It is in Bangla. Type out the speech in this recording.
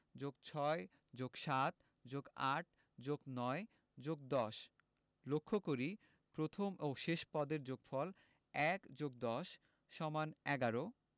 +৬+৭+৮+৯+১০ লক্ষ করি প্রথম ও শেষ পদের যোগফল ১+১০=১১